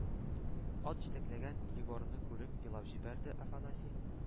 Ат җитәкләгән Егорны күреп елап җибәрде Афанасий: